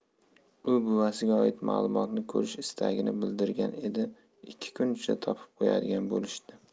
u buvasiga oid ma'lumotni ko'rish istagini bildirgan edi ikki kun ichida topib qo'yadigan bo'lishdi